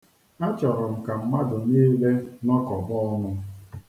Achọrọ m ka mmadụ niile nọkọba ọnụ.